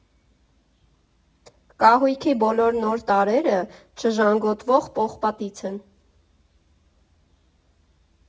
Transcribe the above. Կահույքի բոլոր նոր տարրերը չժանգոտող պողպատից են։